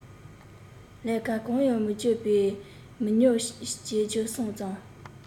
ལས ཀ གང ཡང མི སྒྱིད པའི མི ཉོབ སྒྱེ ཞིག སོང ཙང